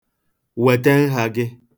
Weta nha gị.